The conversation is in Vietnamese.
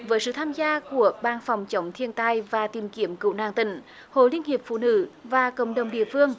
với sự tham gia của ban phòng chống thiên tai và tìm kiếm cứu nạn tỉnh hội liên hiệp phụ nữ và cộng đồng địa phương